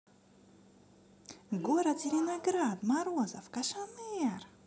город зеленоград морозов кошанер